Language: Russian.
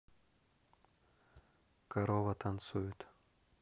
корова танцует